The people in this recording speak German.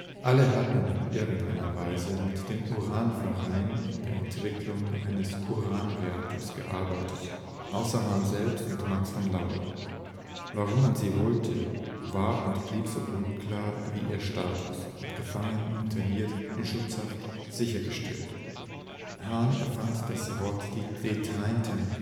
Alle hatten in irgendeiner Weise in dem Uran-Verein an der Entwicklung eines Uranreaktors gearbeitet – außer Hahn selbst und Max von Laue. – Warum man sie holte, war und blieb so unklar wie ihr Status – ob gefangen, interniert, in Schutzhaft, sichergestellt: Hahn erfand das Wort die Detainten